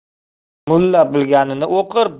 mulla bilganin o'qir